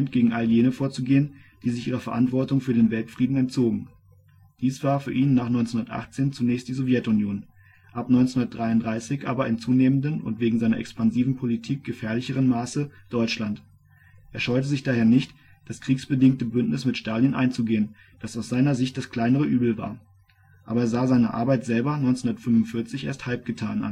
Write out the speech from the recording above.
gegen all jene vorzugehen, die sich ihrer Verantwortung für den Weltfrieden entzogen. Dies war für ihn nach 1918 zunächst die Sowjetunion, ab 1933 aber in zunehmendem und wegen seiner expansiven Politik gefährlicheren Maße Deutschland. Er scheute sich daher nicht, das kriegsbedingte Bündnis mit Stalin einzugehen, das aus seiner Sicht das kleinere Übel war. Aber er sah seine Arbeit selber 1945 erst als halb getan an